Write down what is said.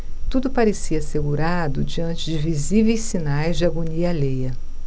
tudo parecia assegurado diante de visíveis sinais de agonia alheia